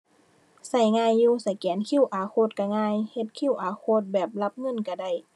ใช้ง่ายอยู่ สแกน QR code ใช้ง่าย เฮ็ด QR code แบบรับเงินใช้ได้